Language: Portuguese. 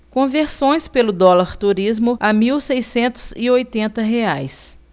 conversões pelo dólar turismo a mil seiscentos e oitenta reais